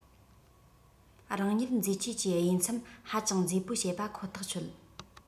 རང ཉིད མཛེས འཆོས གྱི དབྱེ མཚམས ཧ ཅང མཛེས པོ བྱེད པ ཁོ ཐག ཆོད